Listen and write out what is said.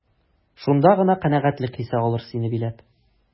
Шунда гына канәгатьлек хисе алыр сине биләп.